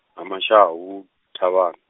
ha Mashau, Thavhani.